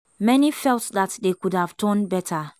Many felt that they could have done better.